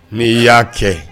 Min' y'a kɛ